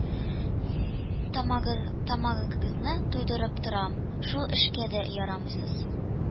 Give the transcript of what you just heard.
Тамагыңызны туйдырып торам, шул эшкә дә ярамыйсыз